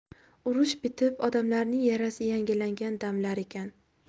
urush bitib odamlarning yarasi yangilangan damlar ekan